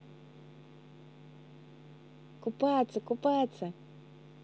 купаться купаться